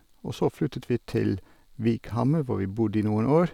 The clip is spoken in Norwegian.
Og så flyttet vi til Vikhammer, hvor vi bodde i noen år.